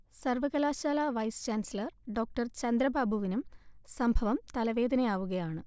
സർവ്വകലാശാല vice chancellor Dr ചന്ദ്രബാബുവിനും സംഭവം തലവേദനയാവുകയാണ്